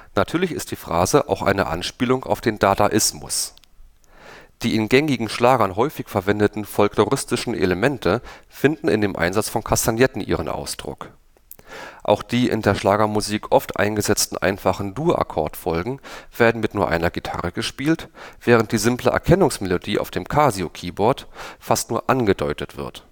Natürlich ist die Phrase auch eine Anspielung auf den Dadaismus. Die in gängigen Schlagern häufig verwendeten folkloristischen Elemente finden in dem Einsatz von Kastagnetten ihren Ausdruck. Auch die in der Schlagermusik oft eingesetzten einfachen Dur-Akkordfolgen werden mit nur einer Gitarre gespielt, während die simple Erkennungsmelodie auf dem Casio-Keyboard fast nur angedeutet wird